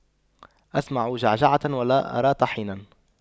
أسمع جعجعة ولا أرى طحنا